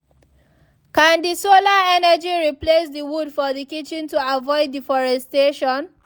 “Can the solar energy replace the wood for the kitchen to avoid the deforestation?”